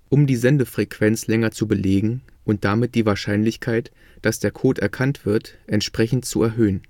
um die Sendefrequenz länger zu belegen und damit die Wahrscheinlichkeit, dass der Code erkannt wird, entsprechend zu erhöhen